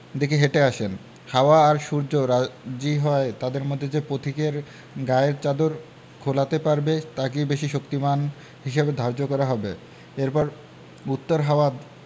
দিকে হেটে আসেন হাওয়া আর সূর্য রাজি হয় তাদের মধ্যে যে পথিকে গায়ের চাদর খোলাতে পারবে তাকেই বেশি শক্তিমান হিসেবে ধার্য করা হবে এরপর উত্তর হাওয়া